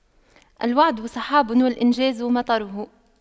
الوعد سحاب والإنجاز مطره